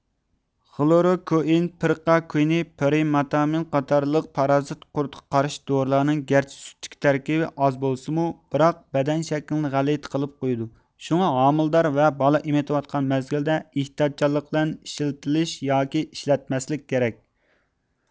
خلوروكۇئىن پرىقا كۇينى پرىمېتامىن قاتارلىق پارازىت قۇرتقا قارشى دورىلارنىڭ گەرچە سۈتتىكى تەركىبى ئاز بولسىمۇ بىراق بەدەن شەكلىنى غەلىتە قىلىپ قويىدۇ شۇڭا ھامىلىدار ۋە بالا ئېمىتىۋاتقان مەزگىلدە ئېھتىياتچانلىق بىلەن ئىشلىتىلىش ياكى ئىشلەتمەسلىك كېرەك